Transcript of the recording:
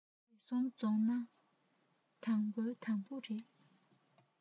དེ གསུམ འཛོམས ན དང པོའི དང པོ རེད